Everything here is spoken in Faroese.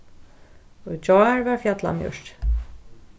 í gjár var fjallamjørki